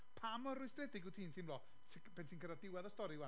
pa mor rwystredig wyt ti'n teimlo, ti... pam ti'n cyrraedd diwedd y stori ŵan,